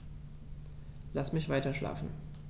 Lass mich weiterschlafen.